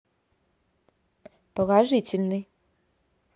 положительный